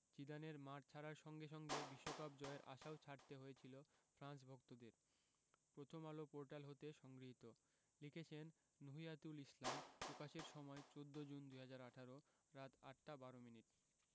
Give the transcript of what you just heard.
জিদানের মাঠ ছাড়ার সঙ্গে সঙ্গে বিশ্বকাপ জয়ের আশাও ছাড়তে হয়েছিল ফ্রান্স ভক্তদের প্রথমআলো পোর্টাল হতে সংগৃহীত লিখেছেন নুহিয়াতুল ইসলাম প্রকাশের সময় ১৪জুন ২০১৮ রাত ৮টা ১২ মিনিট